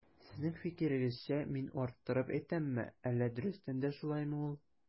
Сезнең фикерегезчә мин арттырып әйтәмме, әллә дөрестән дә шулаймы ул?